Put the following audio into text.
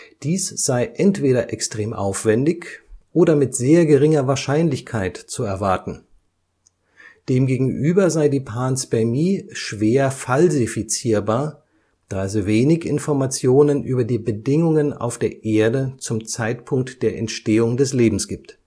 Dies sei entweder extrem aufwändig oder mit sehr geringer Wahrscheinlichkeit zu erwarten. Demgegenüber sei die Panspermie schwer falsifizierbar, da es wenig Informationen über die Bedingungen auf der Erde zum Zeitpunkt der Entstehung des Lebens gibt